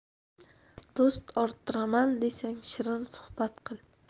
do'st orttiraman desang shirin suhbat qil